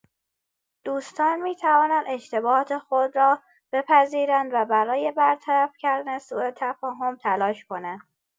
دوستان می‌توانند اشتباهات خود را بپذیرند و برای برطرف کردن سوءتفاهم تلاش کنند.